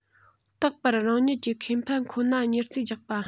རྟག པར རང ཉིད ཀྱི ཁེ ཕན ཁོ ན གཉེར རྩིས རྒྱག པ